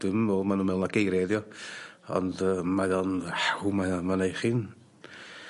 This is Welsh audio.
dwi'm y m'wl ma' nw' me'wl ma' geiria 'di o ond yy mae o'n w mae o'n ma' neu' chi'n